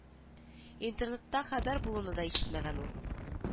Интернетта хәбәр булуны да ишетмәгән ул